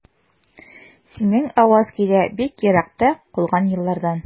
Синең аваз килә бик еракта калган еллардан.